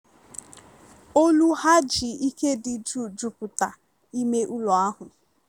Olu ha ji ike dị jụụ jupụta ime ụlọ ahụ.